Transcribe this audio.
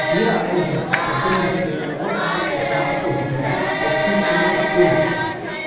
jeder Einsatz der Bundeswehr außerhalb des NATO-Gebietes der Zustimmung des Bundestages